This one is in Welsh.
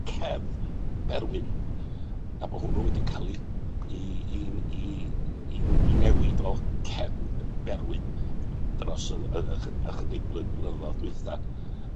CEF Berwyn a bo' hwnnw wedi ca'l 'i 'i 'i 'i 'i n- 'i newid o CEM Berwyn dros yr y- ychy- ychydig blynyddodd dwytha.